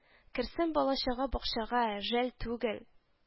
Керсен бала-чага бакчага, жәл түгел